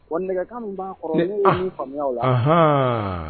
Wa nɛgɛ b'a